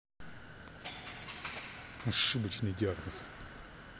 ошибочный диагноз